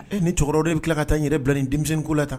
Ee ni cɛkɔrɔba de bɛ tila ka taa n yɛrɛ bila nin denmisɛnninko la kan